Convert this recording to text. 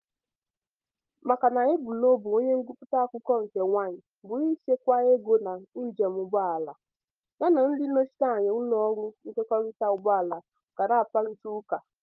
Maka na ebumnobi onye ngụpụta akụkọ nke nwaanyị bụ ịchekwa ego na njem ụgbọala, ya na ndị nnọchiteanya ụlọọrụ nkekọrịta ụgbọala ga na-akparịtaụka.